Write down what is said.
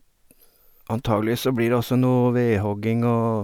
Antageligvis så blir det også noe vedhogging og...